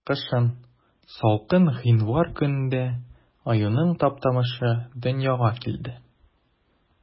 Кышын, салкын гыйнвар көнендә, аюның Таптамышы дөньяга килде.